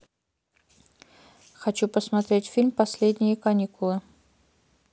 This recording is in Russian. хочу посмотреть фильм последние каникулы